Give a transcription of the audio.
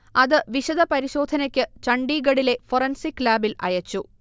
അത് വിശദപരിശോധനയ്ക്ക് ചണ്ഡീഗഢിലെ ഫൊറൻസിക് ലാബിൽ അയച്ചു